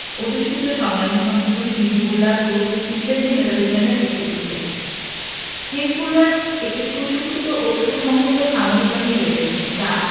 অধ্যুষিত সংগ্রামী সংগঠন হিজবুল্লাহ গ্রুপ ইসরায়েলি নেতাদের জন্য একটি উদ্বেগ হিজবুল্লাহর একটি সুশিক্ষিত ও সুসংহত সামরিক বাহিনী রয়েছে যা